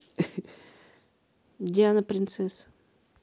диана принцесса